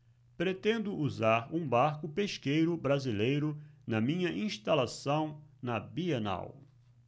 pretendo usar um barco pesqueiro brasileiro na minha instalação na bienal